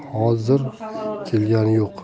to'satdan hozir kelgani yo'q